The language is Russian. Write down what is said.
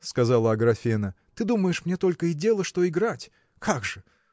– сказала Аграфена, – ты думаешь, мне только и дела, что играть? как же!